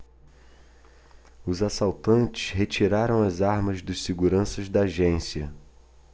os assaltantes retiraram as armas dos seguranças da agência